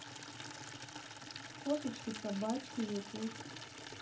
кошечки собачки ютуб